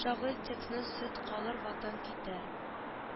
Шагыйрь текстны сөт калыр ватан китәр